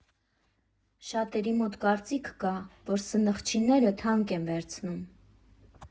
Շատերի մոտ կարծիք կա, որ Սնխչյանները թանկ են վերցնում։